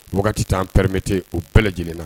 T'an pɛmete o bɛɛlɛ lajɛlen na